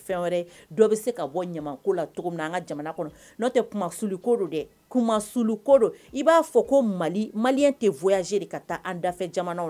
S i b'a fɔ ko mali mali tɛ de ka taa anda jamana